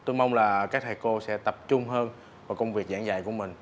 tôi mong là các thầy cô sẽ tập trung hơn vào công việc giảng dạy của mình